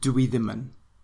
dw i ddim yn